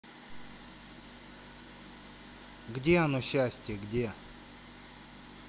где оно счастье где